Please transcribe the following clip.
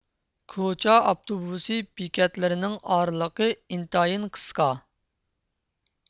كوچا ئاپتوبۇسى بېكەتلىرىنىڭ ئارىلىقى ئىنتايىن قىسقا